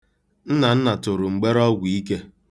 Nnanna tụrụ mgbere ọgwụ ike.